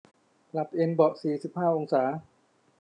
ปรับเอนเบาะสี่สิบห้าองศา